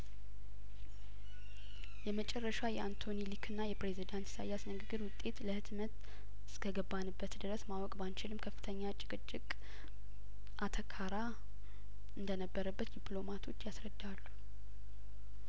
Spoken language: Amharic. የመጨረሻው የአንቶኒ ሊክና የፕሬዝዳንት ኢሳያስ ንግግር ውጤት ለህትመት እስከገባንበት ድረስ ማወቅ ባንችልም ከፍተኛ ጭቅጭቅ አተካራ እንደነበረበት ዲፕሎማቶች ያስረዳሉ